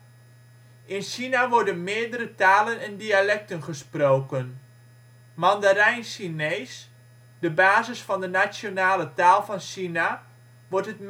In China worden meerdere talen en dialecten gesproken. Mandarijn Chinees (de basis van de nationale taal van China) wordt het